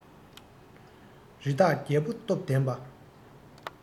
རི དྭགས རྒྱལ པོ སྟོབས ལྡན པ